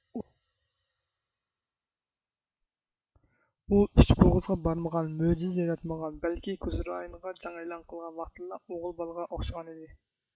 ئۇ ئۈچ بوغۇزغا بارمىغان مۆجىزە ياراتمىغان بەلكى كوجرائىنغا جەڭ ئېلان قىلغان ۋاقتىدىلا ئوغۇل بالىغا ئوخشىغانىدى